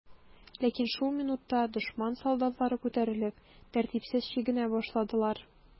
Ләкин шул минутта дошман солдатлары күтәрелеп, тәртипсез чигенә башладылар.